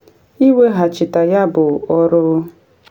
Iweghachite ya bụ ọrụ.”